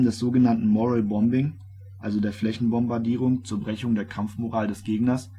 so genannten moral bombing, also der Flächen - Bombardierungen zur Brechung der Kampfmoral des Gegners